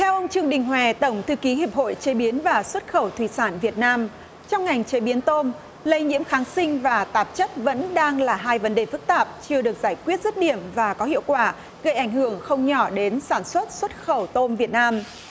theo ông trương đình hòe tổng thư ký hiệp hội chế biến và xuất khẩu thủy sản việt nam trong ngành chế biến tôm lây nhiễm kháng sinh và tạp chất vẫn đang là hai vấn đề phức tạp chưa được giải quyết dứt điểm và có hiệu quả gây ảnh hưởng không nhỏ đến sản xuất xuất khẩu tôm việt nam